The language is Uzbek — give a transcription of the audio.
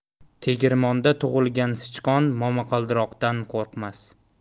tegirmonda tug'ilgan sichqon momaqaldiroqdan qo'rqmas